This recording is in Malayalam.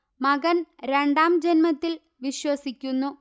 മകൻ രണ്ടാംജന്മത്തിൽ വിശ്വസിക്കുന്നു